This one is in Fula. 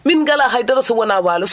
min ngalaa haydara so wonaa waalo